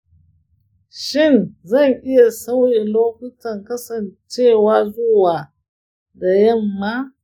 shin zan iya sauya lokacin kasance wa zuwa da yamma